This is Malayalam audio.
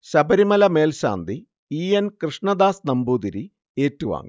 ശബരിമല മേൽശാന്തി ഇ. എൻ. കൃഷ്ണദാസ് നമ്പൂതിരി ഏറ്റുവാങ്ങി